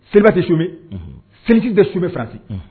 Seliba tɛ chaumé selinjini tɛ chaumé Faransi